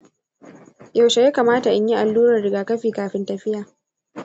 yaushe ya kamata in yi allurar rigakafi kafin tafiya?